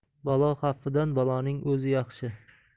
balo xavfidan baloning o'zi yaxshi